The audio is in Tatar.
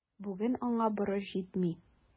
Бүген аңа борыч җитми.